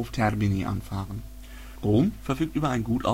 Termini anfahren. Rom verfügt über ein gut